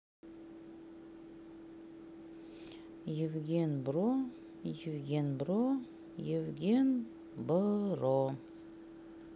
евген бро евген бро евген бро